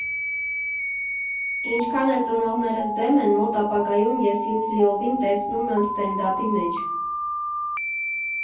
Ինչքան էլ ծնողներս դեմ են, մոտ ապագայում ես ինձ լիովին տեսնում եմ ստենդափի մեջ։